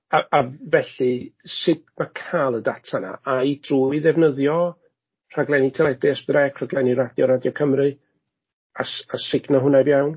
A a felly, sut ma' cael y data 'na, ai drwy ddefnyddio rhaglenni teledu S4C rhaglenni Radio Cymru a s- a sugno hwnna i mewn?